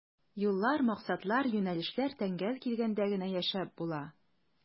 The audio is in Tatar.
Юллар, максатлар, юнәлешләр тәңгәл килгәндә генә яшәп була.